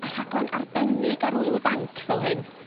...a rhaglan arbennig ar ŵyl y banc fel hyn.